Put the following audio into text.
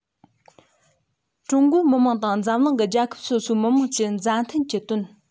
ཀྲུང གོའི མི དམངས དང འཛམ གླིང གི རྒྱལ ཁབ སོ སོའི མི དམངས ཀྱི མཛའ མཐུན གྱི དོན